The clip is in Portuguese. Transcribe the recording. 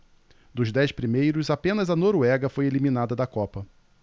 dos dez primeiros apenas a noruega foi eliminada da copa